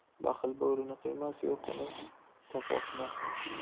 baxil borini qiymas yo'q uni topohnas